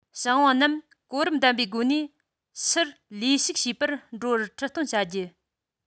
ཞིང པ རྣམས གོ རིམ ལྡན པའི སྒོ ནས ཕྱིར ལས ཞུགས བྱེད པར འགྲོ བར ཁྲིད སྟོན བྱ རྒྱུ